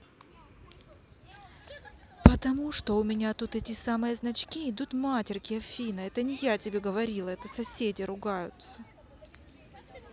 потому что у меня тут эти самые значки идут матерки афина это не я тебе говорила это соседи ругаются